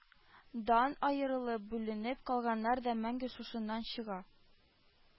Дан аерылып, бүленеп калганнар да мәңге шушыннан чыга